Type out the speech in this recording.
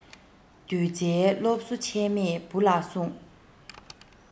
བདུད རྩིའི སློབ གསོ ཆད མེད བུ ལ གསུང